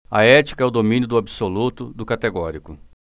a ética é o domínio do absoluto do categórico